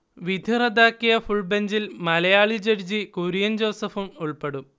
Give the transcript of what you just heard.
വിധി റദ്ദാക്കിയ ഫുൾബെഞ്ചിൽ മലയാളി ജഡ്ജി കുര്യൻ ജോസഫും ഉൾപ്പെടും